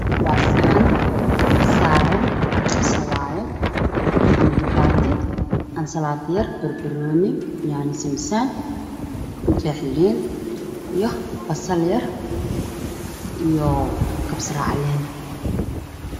Waa saxan saran sabaayad ama jabaati ansalaato yar iyo barbanooni iyo yaanyo sibilsaan jeex liin basal yar iyo Kabsar caleen